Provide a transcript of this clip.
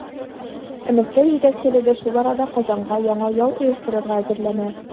Ә Мәскәү җитәкчелеге шул арада Казанга яңа яу оештырырга әзерләнә.